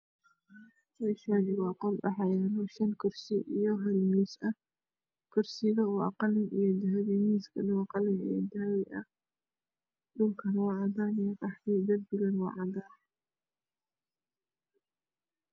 Meeshaani waa qol waxaa yaalo shan kursi iyo hal miis ah kursiga waa qalin iyo dahabi miiskana waa qalin iyo dahabi ah dhulka waa cadaan iyo qaxwi derbigana waa cadaan